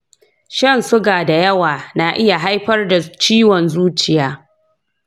shan suga da yawa na iya haifar da ciwon zuciya?